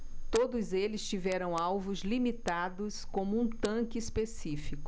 todos eles tiveram alvos limitados como um tanque específico